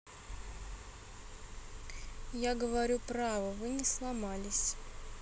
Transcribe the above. я говорю правы вы не сломались